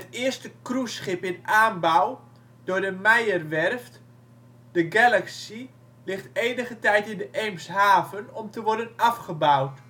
eerste cruiseschip in aanbouw door de Meyer Werft, de Galaxy, ligt enige tijd in de Eemshaven om te worden afgebouwd